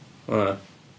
Fan'na.